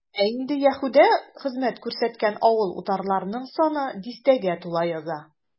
Ә инде Яһүдә хезмәт күрсәткән авыл-утарларның саны дистәгә тула яза.